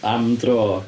Am dro.